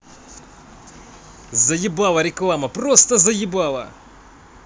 заебала реклама просто заебала